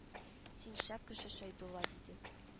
Син шәп кеше шәйдулла диде